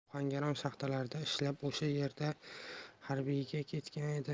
ohangaron shaxtalarida ishlab o'sha yerdan harbiyga ketgan edi